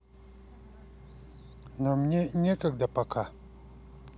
но мне некогда пока